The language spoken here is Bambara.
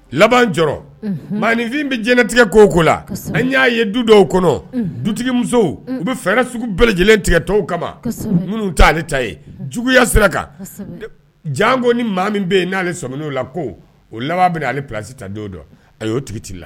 Laban jɔ maainfin bɛ j tigɛ ko ko la y'a ye du dɔ kɔnɔ dutigi musow u bɛ fɛɛrɛ sugu bɛɛ lajɛlen tigɛ tɔw kama minnu taa ale ta ye juguyaya sera kan jan ko ni maa min bɛ yen n'ale sɔw la ko o laban bɛ ali prelasi ta don dɔn a y'o tigiti la